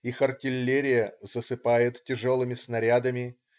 Их артиллерия засыпает тяжелыми снарядами.